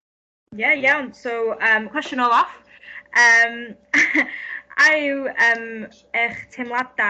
Ie iawn so yym cwestiwn olaf yym a yw yym eich teimlada'